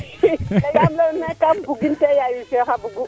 kam lay'un meen kam bugin tee yaayu Cheikh a bugu